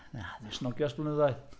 Na, ddim snogio ers blynyddoedd.